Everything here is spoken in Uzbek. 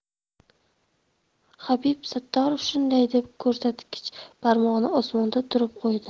habib sattorov shunday deb ko'rsatkich barmog'ini osmonga nuqib qo'ydi